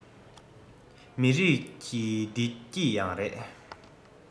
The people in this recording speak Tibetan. མི རིགས ཀྱི བདེ སྐྱིད ཡང རེད